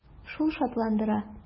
Шул шатландыра.